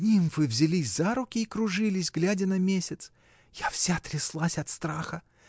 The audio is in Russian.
Нимфы взялись за руки и кружились, глядя на месяц. — Я вся тряслась от страха.